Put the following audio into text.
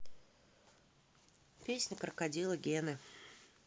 песня крокодила гены